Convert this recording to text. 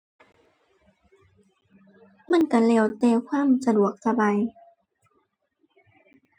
มันก็แล้วแต่ความสะดวกสบาย